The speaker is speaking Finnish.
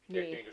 niin